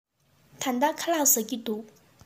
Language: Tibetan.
ད ལྟ ཁ ལག ཟ གི འདུག